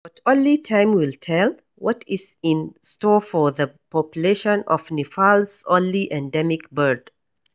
But only time will tell what is in store for the population of Nepal's only endemic bird.